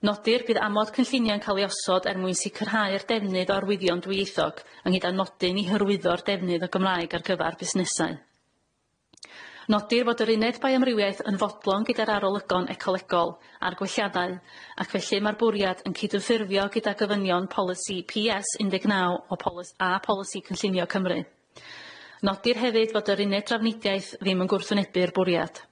Nodir bydd amod cynllunio yn ca'l ei osod er mwyn sicrhau'r defnydd o arwyddion dwyieithog yng nghyd a nodyn i hyrwyddo'r defnydd y Gymraeg ar gyfar busnesau. Nodir fod yr uned bioamrywiaeth yn fodlon gyda'r arolygon ecolegol a'r gwelliadau ac felly ma'r bwriad yn cyd-ynffurfio gyda gofynion polisi Pee Ess un deg naw o polis- a polisi cynllunio Cymru. Nodir hefyd fod yr uned drafnidiaeth ddim yn gwrthwynebu'r bwriad.